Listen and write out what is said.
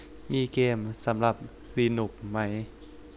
มีเกมสำหรับลีนุกซ์ไหม